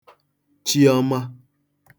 chiọma